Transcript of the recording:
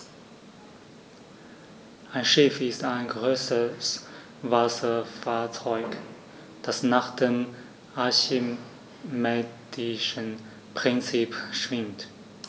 Ein Schiff ist ein größeres Wasserfahrzeug, das nach dem archimedischen Prinzip schwimmt.